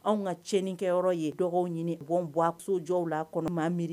Anw ka tiɲɛnini kɛyɔrɔ ye dɔgɔkun ɲini u bɔ buwasojɔw la kɔnɔma miiri